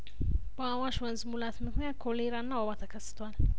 በአዋሽ ወንዝ ሙላትምክንያት ኮሌራና ወባ ተከስቷል